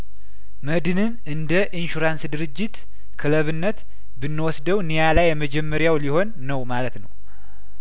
መድንን እንደ ኢንሹራንስ ድርጅት ክለብነት ብንወስደው ኒያላ የመጀመሪያው ሊሆን ነው ማለት ነው